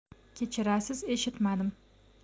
kechirasiz eshitmadim